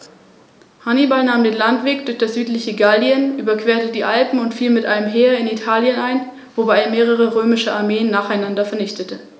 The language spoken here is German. In den wenigen beobachteten Fällen wurden diese großen Beutetiere innerhalb von Sekunden getötet.